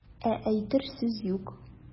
Ә әйтер сүз юк.